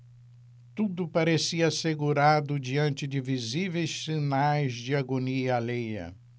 tudo parecia assegurado diante de visíveis sinais de agonia alheia